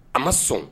A ma sɔn